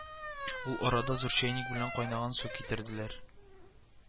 Ул арада зур чәйнек белән кайнаган су китерделәр